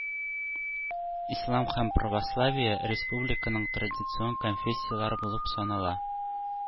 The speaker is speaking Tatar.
Ислам һәм православие республиканың традицион конфессияләре булып санала.